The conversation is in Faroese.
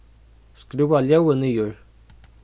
skrúva ljóðið niður